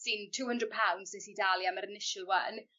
sy'n two hundred pounds nes i dalu am yr initial one